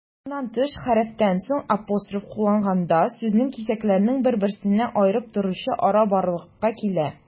Моннан тыш, хәрефтән соң апостроф кулланганда, сүзнең кисәкләрен бер-берсеннән аерып торучы ара барлыкка килә.